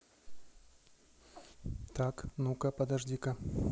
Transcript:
так ну ка подожди ка